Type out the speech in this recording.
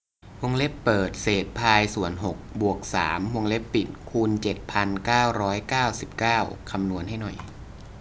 วงเล็บเปิดเศษพายส่วนหกบวกสามวงเล็บปิดคูณเจ็ดพันเก้าร้อยเก้าสิบเก้าคำนวณให้หน่อย